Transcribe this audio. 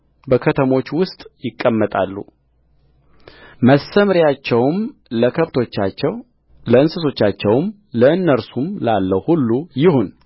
በከተሞቹ ውስጥ ይቀመጣሉ መሰምርያቸውም ለከብቶቻቸው ለእንስሶቻቸውም ለእነርሱም ላለው ሁሉ ይሁን